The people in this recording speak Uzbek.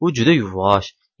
u juda yuvvosh